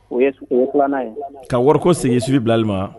Uwɛsu, o ye 2 nan ye, Ka wariko segin sufi Bilali ma?